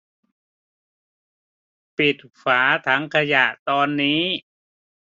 ปิดฝาถังขยะตอนนี้